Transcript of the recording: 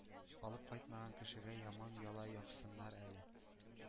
Алып кайтмаган кешегә яман яла яксыннар әле!